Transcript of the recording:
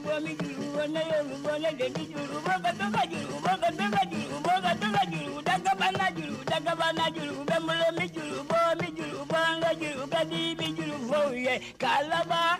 Nej jurujj daba laj da kaba laj bɛ malomɛ juru bɛj juru bakaj kaj bɛ juru ye ka laban